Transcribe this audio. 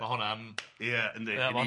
...ma' hwnna'n, ia yndi yn union.